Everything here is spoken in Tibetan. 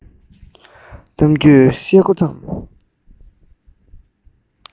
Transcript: གཏམ རྒྱུད བཤད མགོ བརྩམས